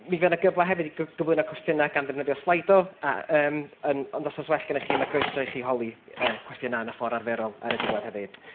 Mi fydd yna gyfle hefyd i gyf- gyflwyno cwestiynau gan ddefnyddio slido, a yym yn ond os oes well gennych chi, ma' croeso i chi holi yy cwestiynau yn y ffordd arferol ar y diwedd hefyd.